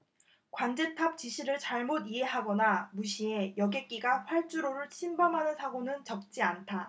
관제탑 지시를 잘못 이해하거나 무시해 여객기가 활주로를 침범하는 사고는 적지 않다